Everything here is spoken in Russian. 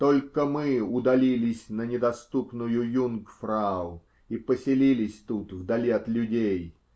Только мы удалились на недоступную Юнгфрау и поселились тут, вдали от людей.